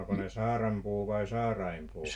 sanoiko ne saaranpuu vai saarainpuu